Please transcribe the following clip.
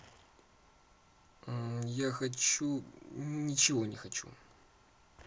я хочу ничего не хочу